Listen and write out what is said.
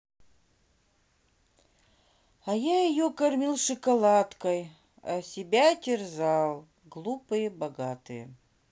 а я ее кормил шоколадкой а себя терзал глупые богатые